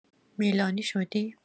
میلانی شدی؟